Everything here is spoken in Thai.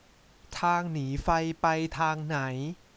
ทางหนีไฟไปทางไหน